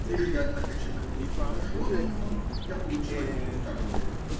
Прежде, однако, чем это письмо дошло до него, я получил от него второе.